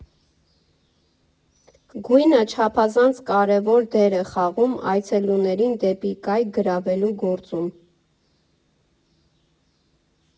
Գույնը չափազանց կարևոր դեր է խաղում այցելուներին դեպի կայք գրավելու գործում։